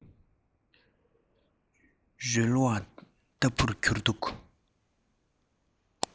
རོལ བ ལྟ བུར གྱུར འདུག